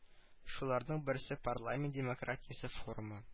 Шуларның берсе парламент демократиясе форумы